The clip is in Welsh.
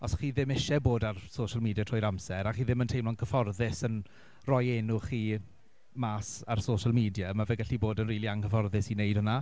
Os chi ddim isie bod ar social media trwy'r amser a chi ddim yn teimlo'n cyfforddus yn rhoi enw chi mas ar social media, ma' fe'n gallu bod yn rili anghyfforddus i wneud hwnna.